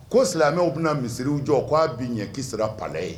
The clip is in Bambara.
Ko silamɛw bɛna misisiriw jɔ k'a bi ɲɛ